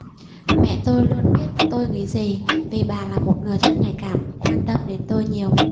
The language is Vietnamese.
mẹ tôi luôn biết tôi nghĩ gì vì bà là một người rất nhạy cảm quan tâm đến tôi nhiều